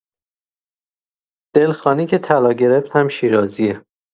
دلخانی که طلا گرفت هم شیرازیه